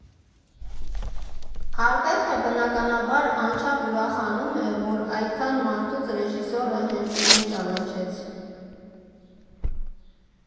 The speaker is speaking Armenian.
Ալբերտը, բնականաբար, անչափ ուրախանում է, որ այդքան մարդուց ռեժիսորը հենց իրեն ճանաչեց։